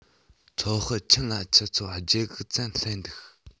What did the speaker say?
ཚོད དཔག ཁྱིམ ལ ཆུ ཚོད བརྒྱད དགུ ཙམ སླེབས འདུག